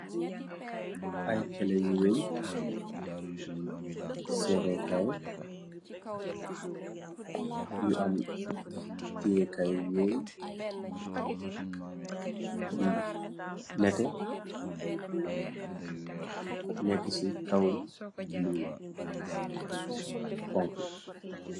Ay kele yu weñ , serekay yu am tiékay yool, yu neté, nekk ci kaw lu xonko.